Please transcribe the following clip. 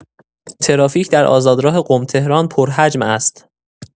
ترافیک در آزادراه قم-تهران، پرحجم است.